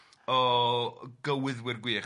o gywyddwyr gwych.